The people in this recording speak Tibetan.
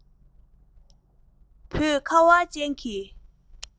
བོད ཁ བ ཅན གྱིས